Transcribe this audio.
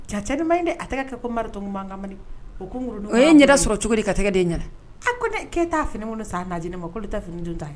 Cɛcɛ in de a kɛ ko maritka o ko n ye yɛrɛ sɔrɔ cogodi ka tɛgɛ den ɲɛna a ko ke' fini wolo san aa naaj ne ma ko tɛ fini don ta ye